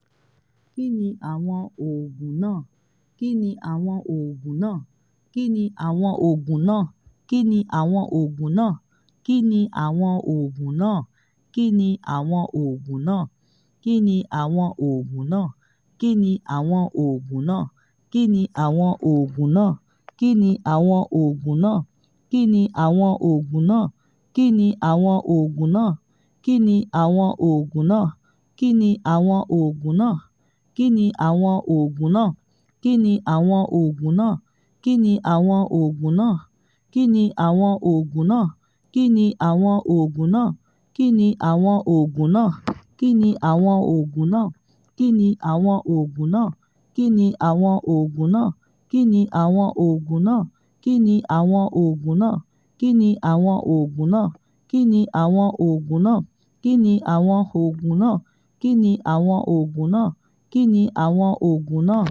"Kíni àwọn oògùn náà?